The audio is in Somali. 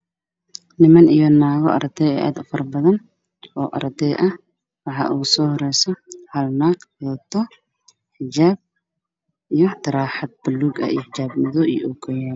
Waa niman iyo naago oo iskool fadhiyo oo cashar qoranayo waana dad waaweyn